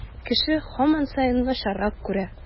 Кеше һаман саен начаррак күрә.